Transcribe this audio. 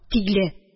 Тиле